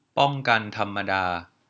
ป้องกันธรรมดา